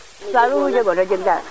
saro lu jego na jeg daal